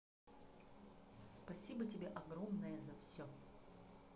спасибо тебе огромное за все